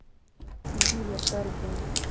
зиверт альбом